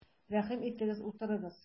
Рәхим итегез, утырыгыз!